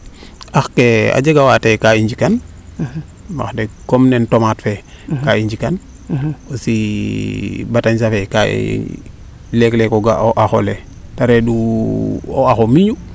ax ke a jega keete kaa i njikan wax deg comme nen tomate fee kaa i njikan aussi batañsa fee kaa i leeh leeg o ga o xao le te reend u o axo miñu